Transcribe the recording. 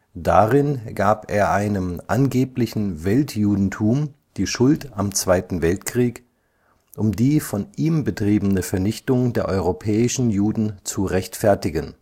Darin gab er einem angeblichen Weltjudentum die Schuld am Zweiten Weltkrieg, um die von ihm betriebene Vernichtung der europäischen Juden zu rechtfertigen